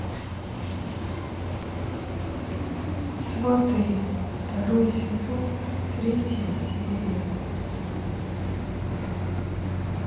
сваты второй сезон третья серия